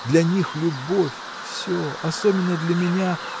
Для них любовь – все, особенно для меня